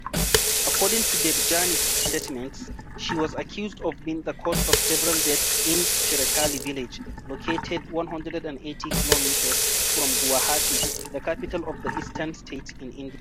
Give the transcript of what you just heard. According to Debjani’s statements, she was accused of being the cause of several deaths in Cherekali village located 180 km from Guwahati, the capital of the eastern state in India.